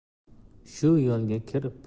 shu yo'lga kir